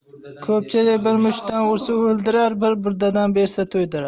ko'pchilik bir mushtdan ursa o'ldirar bir burdadan bersa to'ydirar